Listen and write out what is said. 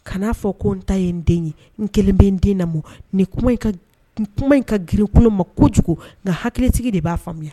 Kana'a fɔ ko n ta ye n den ye n kelen bɛ n den lamɔ nin kuma kuma in ka gkolo ma kojugu nka hakilitigi de b'a faamuya